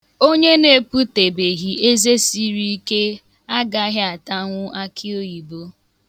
Onye na-eputebeghị eze siri ike agaghị atanwu akịoyibo.